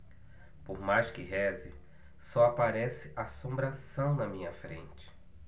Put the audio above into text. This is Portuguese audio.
por mais que reze só aparece assombração na minha frente